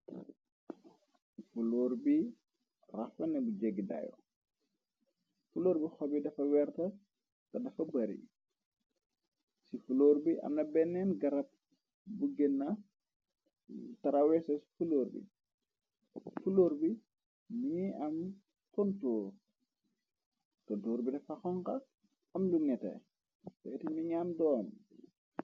Kuloor bi raflane bu jeggi dayo, fuloor bi xobi dafa werta te dafa bari, ci fuloor bi amna benneen garab bu genna traweses fuloor bi. Fuloor bi miñgi am pontoor te pontoor bi dafa xonxa am lu nete, te itimi ñaam dooni.